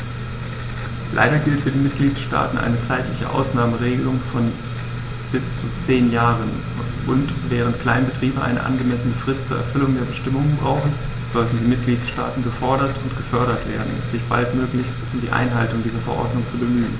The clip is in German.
Leider gilt für die Mitgliedstaaten eine zeitliche Ausnahmeregelung von bis zu zehn Jahren, und, während Kleinbetriebe eine angemessene Frist zur Erfüllung der Bestimmungen brauchen, sollten die Mitgliedstaaten gefordert und gefördert werden, sich baldmöglichst um die Einhaltung dieser Verordnung zu bemühen.